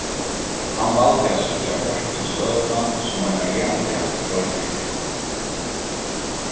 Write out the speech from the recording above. hann valdi at síggja broyttu støðuna sum eina jaliga broyting